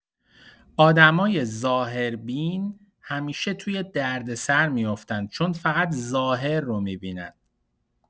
آدمای ظاهربین همیشه توی دردسر می‌افتن چون فقط ظاهر رو می‌بینن.